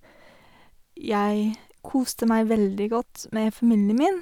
Jeg koste meg veldig godt med familien min.